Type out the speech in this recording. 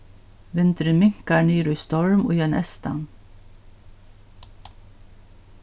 vindurin minkar niður í storm í ein eystan